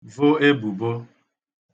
vo ebùbo